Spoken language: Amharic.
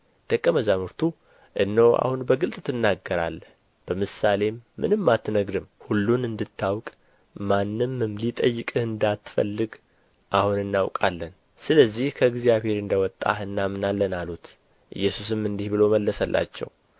ደቀ መዛሙርቱ እነሆ አሁን በግልጥ ትናገራለህ በምሳሌም ምንም አትነግርም ሁሉን እንድታውቅ ማንምም ሊጠይቅህ እንዳትፈልግ አሁን እናውቃለን ስለዚህ ከእግዚአብሔር እንደ ወጣህ እናምናለን አሉት ኢየሱስም እንዲህ ብሎ መለሰላቸው